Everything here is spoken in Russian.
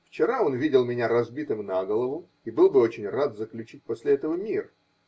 Вчера он видел меня разбитым на голову и был бы очень рад заключить после этого мир.